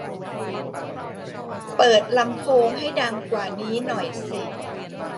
เปิดลำโพงให้ดังกว่านี้หน่อยสิ